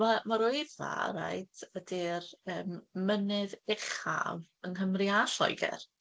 Wel, yy, mae'r Wyddfa, reit, ydy'r, yym, mynydd uchaf yng Nghymru a Lloegr.